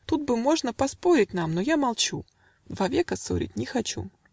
" Тут бы можно Поспорить нам, но я молчу: Два века ссорить не хочу.